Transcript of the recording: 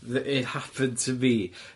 the- It happened to me.